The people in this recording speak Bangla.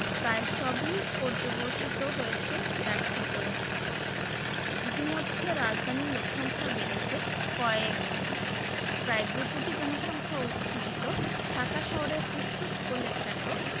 প্রায় সবই পর্যবসিত হয়েছে ব্যর্থ পরিণামে ইতোমধ্যে রাজধানীর লোকসংখ্যা বেড়েছে কয়েকগুণ প্রায় দুকোটি জনসংখ্যা অধ্যুষিত ঢাকা শহরের ফুসফুস বলে খ্যাত